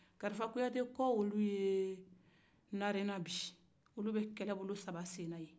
karifa kuyate kɔ olu ye narena bi olu bɛ kɛlɛ bolo saba sen na narena